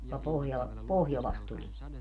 joka - pohjolasta tulee